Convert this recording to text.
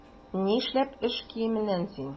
Нишләп эш киеменнән син?